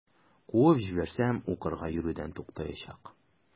Куып җибәрсәм, укырга йөрүдән туктаячак.